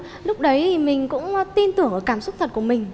lúc đấy mình cũng tin tưởng ở cảm xúc thật của mình